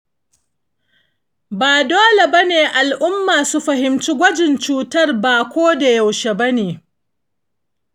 ba dole bane al'umma su fahimci gwajin cutar ba akoda yaushe.